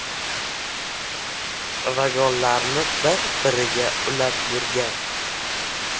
vagonlarni bir biriga ulab yurgan